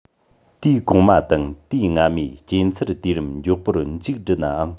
དུས གོང མ དང དུས སྔ མའི སྐྱེ འཚར དུས རིམ མགྱོགས པོར མཇུག འགྲིལ ནའང